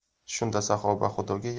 shunda saxoba xudoga